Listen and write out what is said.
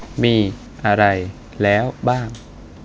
มีอะไรแล้วบ้าง